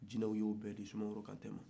jinɛw y'o bɛ di sumaworo kante ma